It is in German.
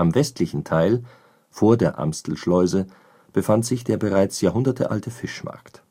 westlichen Teil (vor der Amstelschleuse) befand sich der bereits Jahrhunderte alte Fischmarkt